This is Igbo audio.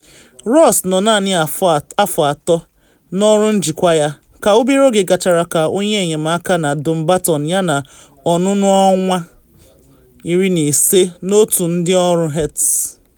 Ross nọ naanị afọ atọ n’ọrụ njikwa ya, ka obere oge gachara ka onye enyemaka na Dumbarton yana ọnụnọ ọnwa 15 n’otu ndị ọrụ Hearts.